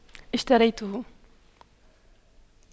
اشتريته